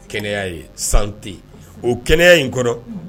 Kɛnɛyaya ye sante o kɛnɛya in n kɔrɔ